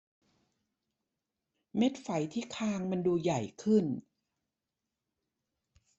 เม็ดไฝที่คางมันดูใหญ่ขึ้น